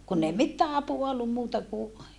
kun ei mitään apua ollut muuta kuin